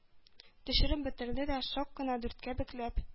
Төшереп бетерде дә, сак кына дүрткә бөкләп,